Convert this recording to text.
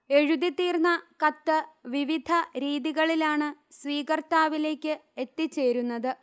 എഴുതിത്തീർന്ന കത്ത് വിവിധ രീതികളിലാണ് സ്വീകർത്താവിലേക്ക് എത്തിച്ചേരുന്നത്